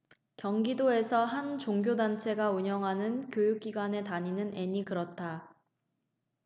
경기도에서 한 종교단체가 운영하는 교육기관에 다니는 앤이 그렇다